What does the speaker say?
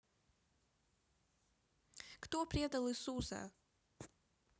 кто предал иисуса